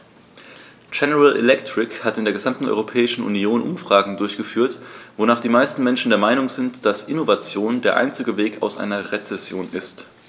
General Electric hat in der gesamten Europäischen Union Umfragen durchgeführt, wonach die meisten Menschen der Meinung sind, dass Innovation der einzige Weg aus einer Rezession ist.